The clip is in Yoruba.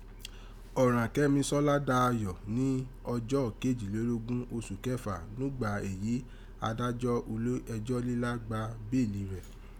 Ọ̀ràn Kẹ́misọ́lá dà ayọ̀ ni ọjọ kejilelogun oṣù Kẹfà nùgbà èyí adájọ́ ulé ẹjọ́ lílá gbà béèlì rẹ.